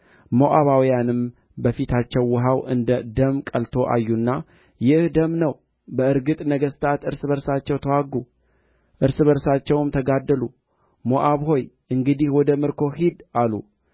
ሞዓባውያንም ሁሉ ነገሥታት ሊወጉአቸው እንደ መጡ በሰሙ ጊዜ በወገባቸው ሰይፍ የሚታጠቁ ሁሉ ተሰበሰቡ ወጥተውም በአገሩ ድንበር ላይ ቆሙ ማልደውም ተነሡ ፀሐይም በውኃው ላይ አንጸባረቀ